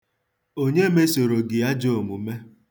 Onye mesoro gị ajọ omume?